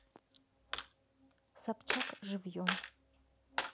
собчак живьем